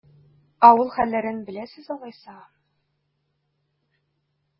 Авыл хәлләрен беләсез алайса?